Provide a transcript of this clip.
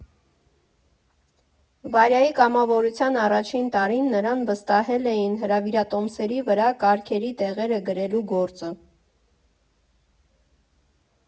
Վարյայի կամավորության առաջին տարին նրան վստահել էին հրավիրատոմսերի վրա կարգերի տեղերը գրելու գործը։